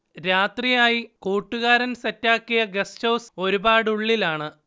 രാത്രിയായി, കൂട്ടുകാരൻ സെറ്റാക്കിയ ഗസ്റ്റ് ഹൌസ് ഒരു പാട് ഉള്ളിലാണ്